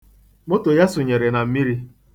Moto ya sụnyere isi na mmiri.